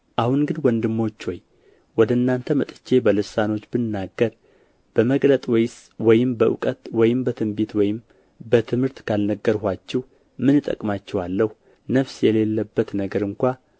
አሁን ግን ወንድሞች ሆይ ወደ እናንተ መጥቼ በልሳኖች ብናገር በመግለጥ ወይም በእውቀት ወይም በትንቢት ወይም በትምህርት ካልነገርኋችሁ ምን እጠቅማችኋለሁ ነፍስ የሌለበት ነገር እንኳ